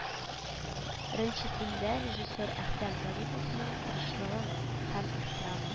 Ренчесендә режиссер әхтәм зариповның тырышлыгы һәм ихтирамы